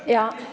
ja.